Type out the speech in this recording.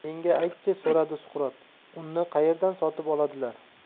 menga ayt chi so'radi suqrot unni qaerdan sotib oladilar